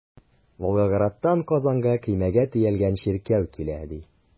Волгоградтан Казанга көймәгә төялгән чиркәү килә, ди.